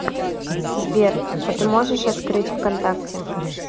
сбер а ты можешь открыть вконтакте